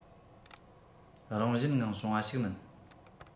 རང བཞིན ངང བྱུང བ ཞིག མིན